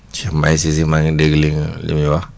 Cheikh Mahi Cissé maa ngi dégg li mu li muy wax